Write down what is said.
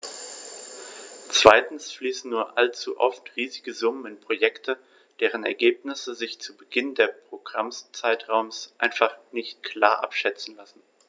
Zweitens fließen nur allzu oft riesige Summen in Projekte, deren Ergebnisse sich zu Beginn des Programmzeitraums einfach noch nicht klar abschätzen lassen.